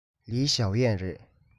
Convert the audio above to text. ལིའི ཞའོ ཡན རེད